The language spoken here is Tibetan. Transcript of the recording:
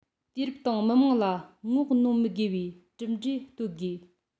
དུས རབས དང མི དམངས ལ ངོ གནོང མི དགོས པའི གྲུབ འབྲས གཏོད དགོས